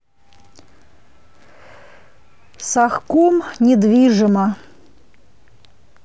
сахком недвижимо